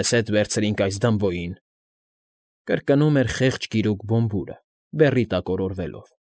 Մեզ հետ վերցրինք այս դմբոյին,֊ կրկնում էր խեղճ գիրուկ Բոմբուրը՝ բեռի տակ օրորվելով։